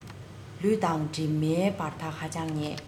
ལུས དང གྲིབ མའི བར ཐག ཧ ཅང ཉེ